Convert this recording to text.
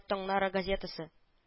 Таңнары” газетасы